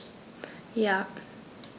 Ja.